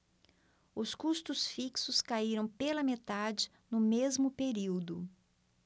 os custos fixos caíram pela metade no mesmo período